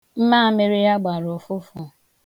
Mmamịrị ya gbara ụfụfụ.